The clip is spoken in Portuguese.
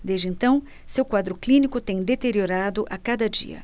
desde então seu quadro clínico tem deteriorado a cada dia